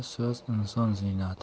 so'z inson ziynati